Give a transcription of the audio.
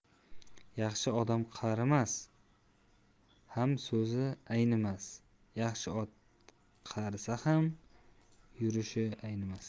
yaxshi odam qarisa ham so'zi aynimas yaxshi ot qarisa ham yurishi aynimas